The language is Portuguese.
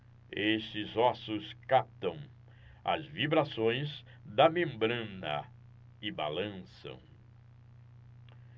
estes ossos captam as vibrações da membrana e balançam